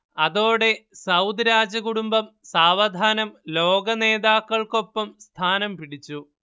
അതോടെ സൗദ് രാജകുടുംബം സാവധാനം ലോക നേതാക്കൾക്കൊപ്പം സ്ഥാനം പിടിച്ചു